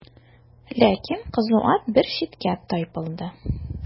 Ләкин кызу ат бер читкә тайпылды.